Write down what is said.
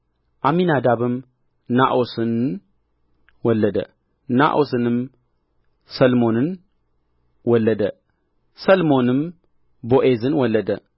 አሚናዳብም ነአሶንን ወለደ ነአሶንም ሰልሞንን ወለደ ሰልሞንም ቦዔዝን ወለደ